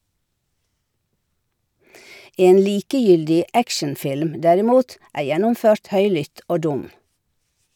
En likegyldig actionfilm, derimot, er gjennomført høylytt og dum.